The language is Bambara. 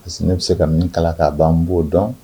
Parce que ne be se ka min kalan k'a ban n b'o dɔn